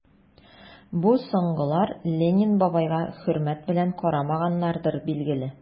Бу соңгылар Ленин бабайга хөрмәт белән карамаганнардыр, билгеле...